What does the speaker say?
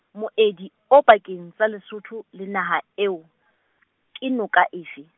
moedi, o pakeng tsa Lesotho, le naha eo , ke noka efe?